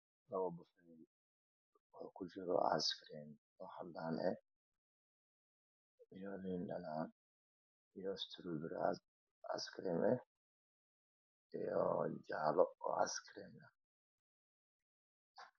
Labo bakeeri ku jiro aas kareem oo cadaan iyo liin dhanaan iyo isturoburi aas kareem ah iyo jaalo aas kareem ah